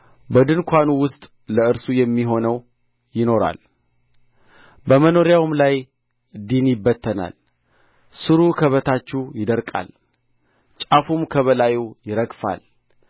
በድንኳኑ ውስጥ ለእርሱ የማይሆነው ይኖራል በመኖሪያውም ላይ ዲን ይበተናል ሥሩ ከበታቹ ይደርቃል ጫፉም ከበላይ ይረግፋል